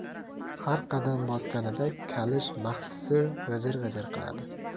har qadam bosganida kalish mahsisi g'ijir g'ijir qiladi